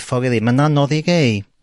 ffor' rili ma'n anodd i rei